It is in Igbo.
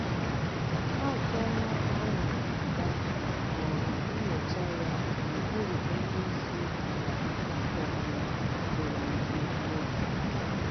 A tụọla Alaa nga ma ọ bụ nyochaa ya n'okpuru onye isi ala Egypt ọ bụla jere ozi n'oge ndụ ya.